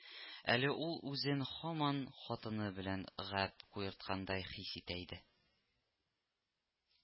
Әле ул үзен һаман хатыны белән гәп куерткандай хис итә иде